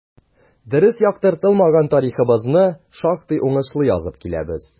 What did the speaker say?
Дөрес яктыртылмаган тарихыбызны шактый уңышлы язып киләбез.